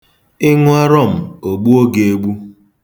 Ị ṅụọ rọm, o gbuo gị egbu.